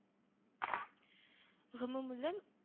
Гомумүлем